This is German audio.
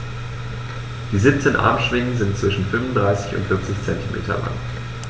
Die 17 Armschwingen sind zwischen 35 und 40 cm lang.